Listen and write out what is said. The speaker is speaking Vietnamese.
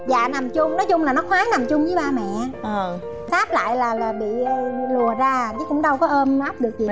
dạ nằm chung nói chung là nó khoái nằm chung với ba mẹ ờ sát lại là là bị lùa ra chứ cũng đâu có ôm ấp được gì